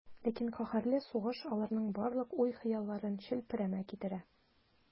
Ләкин каһәрле сугыш аларның барлык уй-хыялларын челпәрәмә китерә.